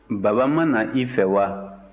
baba ma na i fɛ wa